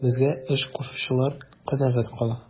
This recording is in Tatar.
Безгә эш кушучылар канәгать кала.